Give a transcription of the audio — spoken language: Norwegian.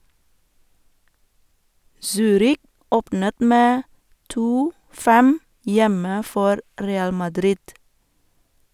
Zürich åpnet med 2 -5 hjemme for Real Madrid.